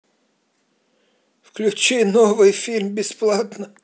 включи новый фильм бесплатно